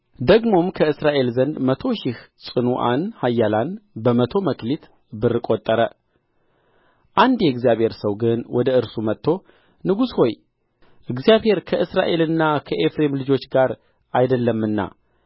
ደግሞም ከእስራኤል ዘንድ መቶ ሺህ ጽኑዓን ኃያላን በመቶ መክሊት ብር ቀጠረ አንድ የእግዚአብሔር ሰው ግን ወደ እርሱ መጥቶ ንጉሥ ሆይ እግዚአብሔር ከእስራኤልና ከኤፍሬም ልጆች ጋር አይደለምና